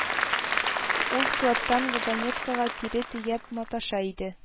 Ул складтан вагонеткага тире төяп маташа иде